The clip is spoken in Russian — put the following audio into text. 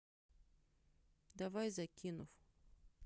давай закинув